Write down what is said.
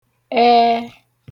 ẹẹ